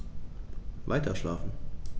Weiterschlafen.